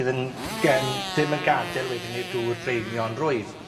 Bydd yn, gy- yn ddim yn gadel wedyn ni'r dŵr draenion rwydd.